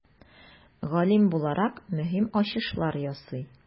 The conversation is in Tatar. Галим буларак, мөһим ачышлар ясый.